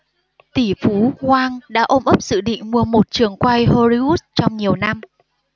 tỷ phú wang đã ôm ấp dự định mua một trường quay hollywood trong nhiều năm